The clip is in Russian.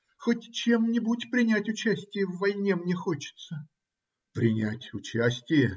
Хоть чем-нибудь принять участие в войне мне хочется. - Принять участие!